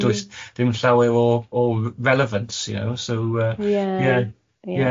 ...does dim llawer o o r- relevance you know so yy... Ie ie.